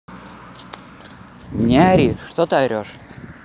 не ори что ты орешь